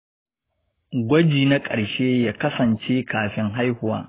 gwajina na ƙarshe ya kasance kafin haihuwa.